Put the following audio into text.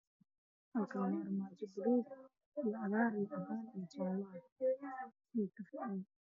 Halkaan waxaa taalo armaajo midabkeedu uu yahay cagaar, buluug, cadaan iyo jaale ah.